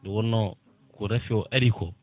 nde wonno ko raafi o ari ko